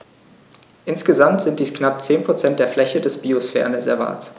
Insgesamt sind dies knapp 10 % der Fläche des Biosphärenreservates.